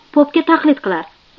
popga taqlid qilar